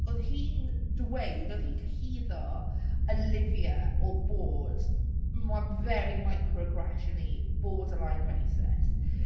Oedd hi'n dweud... oedd hi'n cyhuddo Olivia o bod mo- very micro-aggression-y, borderline racist.